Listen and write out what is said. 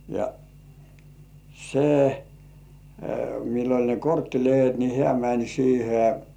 ja se millä oli ne korttilehdet niin hän meni siihen